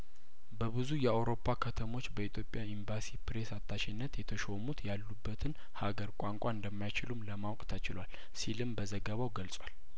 በብዙ የአውሮጳ ከተሞች በኢትዮጵያ ኤምባሲ ፕሬስ አታሼነት የተሾሙት ያሉበትን ሀገር ቋንቋ እንደማይችሉም ለማወቅ ተችሏል ሲልም በዘገባው ገልጿል